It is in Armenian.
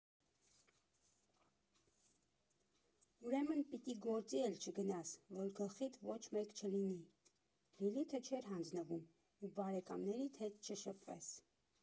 ֊ Ուրեմն պիտի գործի էլ չգնաս, որ գլխիդ ոչ մեկ չլինի, ֊ Լիլիթը չէր հանձնվում, ֊ ու բարեկամներիդ հետ չշփվես…